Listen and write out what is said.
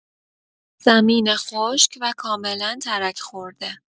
زمین خشک و کاملا ترک‌خورده